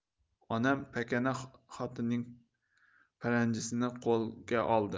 onam pakana xotinning paranjisini qo'lga oldi